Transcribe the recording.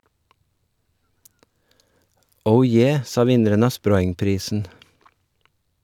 Oh yeah, sa vinneren av Sproingprisen.